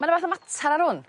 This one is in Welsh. ma' 'na rwbeth y' matter ar 'wn.